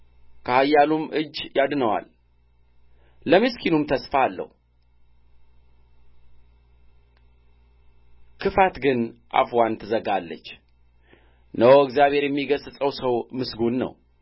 ከኃያሉም እጅ ያድነዋል ለምስኪኑም ተስፋ አለው ክፋት ግን አፍዋን ትዘጋለች እነሆ እግዚአብሔር የሚገሥጸው ሰው ምስጉን ነው